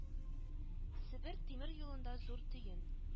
Себер тимер юлында зур төен